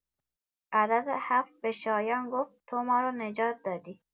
عدد ۷ به شایان گفت: «تو ما رو نجات دادی!»